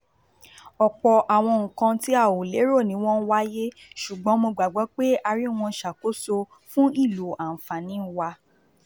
Ọ̀pọ̀ àwọn nǹkan tí a ò lérò ní wọ́n wáyé, ṣùgbọ́n mo gbàgbọ́ pé a rí wọn ṣàkóso fún ìlò àǹfààní wa.